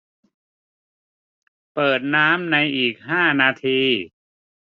เปิดน้ำในอีกห้านาที